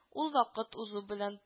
Ул, вакыт узу белән